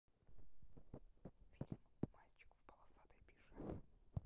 фильм мальчик в полосатой пижаме